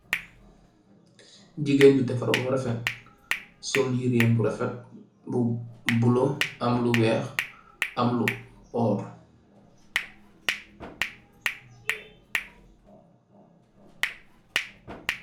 Jigéen bu defaru ba refet, sol yireem bu rafet bu bulo am lu weex, am lu oor.